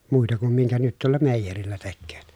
muita kuin minkä nyt tuolla meijerillä tekevät